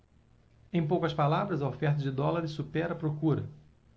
em poucas palavras a oferta de dólares supera a procura